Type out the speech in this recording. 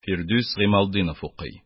Фирдүс Ямалтдинов укый.